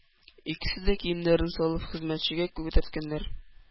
Икесе дә киемнәрен салып хезмәтчегә күтәрткәннәр.